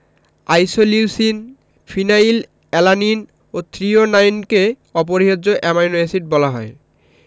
isoleucine phenyl alanine ও থ্রিওনাইনকে অপরিহার্য অ্যামাইনো এসিড বলা হয়